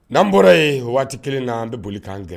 N'an bɔra ye o waati 1 na an be boli kan gɛ